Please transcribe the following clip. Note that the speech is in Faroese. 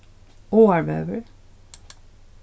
áarvegur